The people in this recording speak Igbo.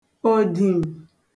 òdìm